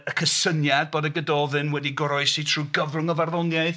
Y cysyniad bod y Gododdin wedi goroesi trwy gyfrwng y farddoniaeth.